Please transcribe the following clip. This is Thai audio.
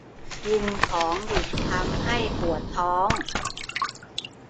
กินของดิบทำให้ปวดท้อง